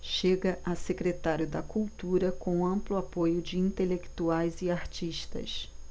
chega a secretário da cultura com amplo apoio de intelectuais e artistas